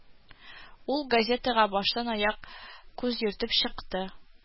Ул газетага баштанаяк күз йөртеп чыкты